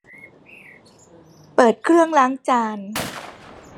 เปิดเครื่องล้างจาน